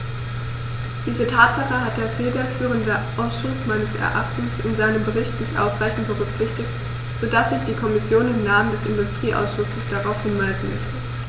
Diese Tatsache hat der federführende Ausschuss meines Erachtens in seinem Bericht nicht ausreichend berücksichtigt, so dass ich die Kommission im Namen des Industrieausschusses darauf hinweisen möchte.